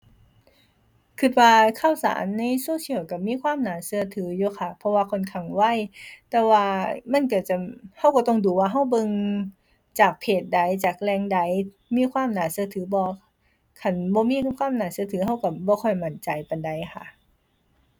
คิดว่าข่าวสารในโซเชียลคิดมีความน่าคิดถืออยู่ค่ะ เพราะว่าค่อนข้างไว แต่ว่ามันคิดจะ คิดก็ต้องดูว่าคิดเบิ่งจากเพจใด จากแหล่งใด มีความน่าคิดถือบ่ คันบ่มี ความน่าคิดถือคิดคิดบ่ค่อยมั่นใจปานใดค่ะ